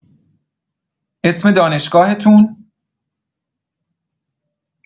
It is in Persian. اسم دانشگاهتون؟